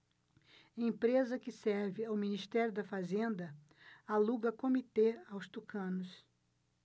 empresa que serve ao ministério da fazenda aluga comitê aos tucanos